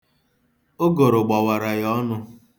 Ụgụrụ gbawara ya ọnụ.